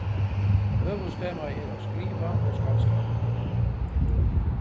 høvuðstemað er at skriva og skaldskapur